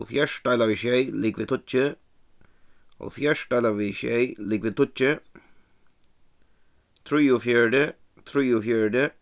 hálvfjerðs deila við sjey ligvið tíggju hálvfjerðs deila við sjey ligvið tíggju trýogfjøruti trýogfjøruti